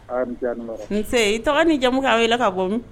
I tɔgɔ ni jamumukɛ aw la ka bɔ